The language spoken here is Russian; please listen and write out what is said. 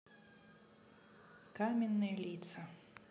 каменные лица